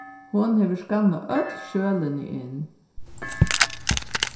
hon hevur skannað øll skjølini inn